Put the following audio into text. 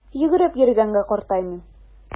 Йөгереп йөргәнгә картаймыйм!